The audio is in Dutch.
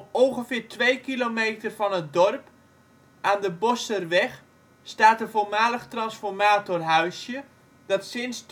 ongeveer 2 kilometer van het dorp, aan de Bosscherweg, staat een voormalig transformatorhuisje, dat sinds